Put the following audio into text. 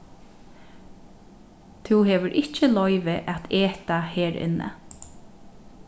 tú hevur ikki loyvi at eta her inni